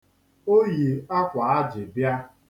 O yi akwāājị̀ bịa.